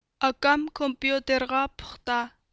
ئاكام كومپيۇتېرغا پۇختا